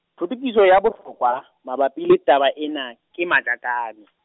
thothokiso ya bohlokwa, mabapi le taba ena, ke Majakane.